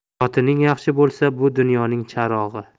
xotining yaxshi bo'lsa bu dunyoning charog'i